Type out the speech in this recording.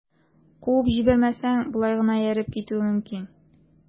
Куып җибәрмәсәң, болай гына ияреп китүем мөмкин...